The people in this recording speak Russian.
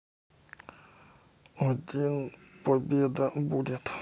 один победа будет